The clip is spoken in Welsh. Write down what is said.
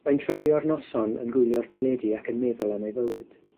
Mae'n treulio'r noson yn gwylio'r teledu ac yn meddwl am ei fywyd.